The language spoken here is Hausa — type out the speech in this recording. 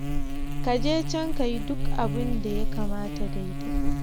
ka je can kayi duka abun da ya kamata daidai.